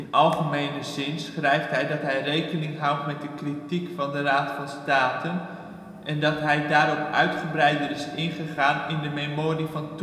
algemene zin schrijft hij dat hij rekening houdt met de kritiek van de Raad van State en dat hij daarop uitgebreider is ingegaan in de memorie van